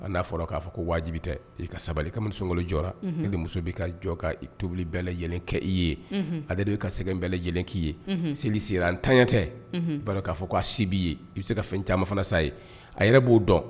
Hali n'a fɔra ko wajibi tɛ i ka sabali comme sunkalo jɔra e de muso bɛ ka jɔ ka i tobili bɛɛ lajɛlen kɛ i ye ale de bɛ ka sɛgɛn bɛɛ lajɛlen k'i ye seli sera a tanya tɛ i b'a dɔn k'a fɔ a se b'i ye i bɛ se ka fɛn caman fana san ye a yɛrɛ b'o dɔn.